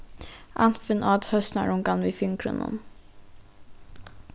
annfinn át høsnarungan við fingrunum